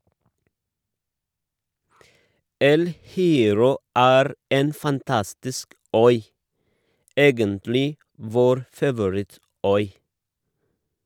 El Hierro er en fantastisk øy (egentlig vår favorittøy!).